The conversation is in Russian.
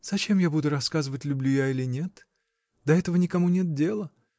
— Зачем я буду рассказывать, люблю я или нет? До этого никому нет дела.